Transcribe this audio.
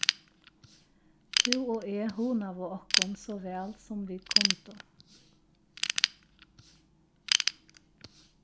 tú og eg hugnaðu okkum so væl sum vit kundu